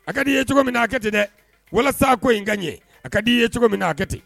A ka di i ye cogo min na a hakɛ ten dɛ walasa ko in ka n ɲɛ a ka d' i ye cogo min na a hakɛ ten